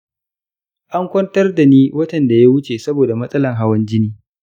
an kwantar dani watan da ya wuce saboda matsalan hawan jini.